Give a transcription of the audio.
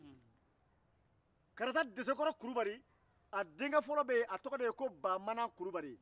karata desekoro kulubali denkɛ fɔlɔ tɔgɔ ye ko baamana kulubali